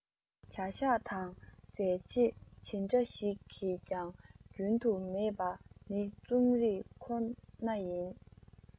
བྱ བཞག དང མཛད རྗེས ཇི འདྲ ཞིག གིས ཀྱང བསྒྲུན དུ མེད པ ནི རྩོམ རིག ཁོ ན ཡིན